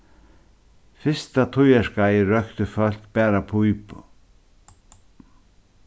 fyrsta tíðarskeiðið royktu fólk bara pípu